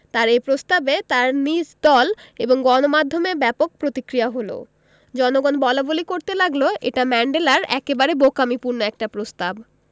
তাঁর এ প্রস্তাবে তাঁর নিজ দল এবং গণমাধ্যমে ব্যাপক প্রতিক্রিয়া হলো জনগণ বলাবলি করতে লাগল এটা ম্যান্ডেলার একেবারে বোকামিপূর্ণ একটা প্রস্তাব